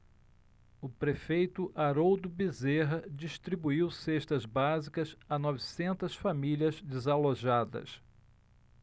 o prefeito haroldo bezerra distribuiu cestas básicas a novecentas famílias desalojadas